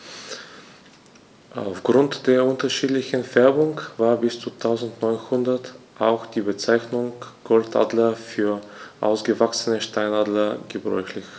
Auf Grund der unterschiedlichen Färbung war bis ca. 1900 auch die Bezeichnung Goldadler für ausgewachsene Steinadler gebräuchlich.